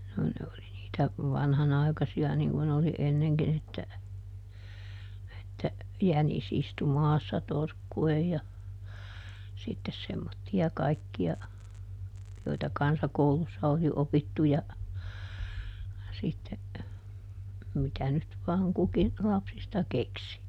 no ne oli niitä vanhanaikaisia niin kuin oli ennenkin että että jänis istui maassa torkkuen ja sitten semmoisia kaikkia joita kansakoulussa oli opittu ja sitten mitä nyt vain kukin lapsista keksi